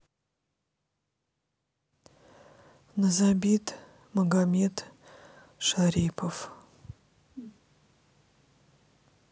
назабит магомед шарипов